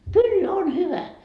kyllä on hyvä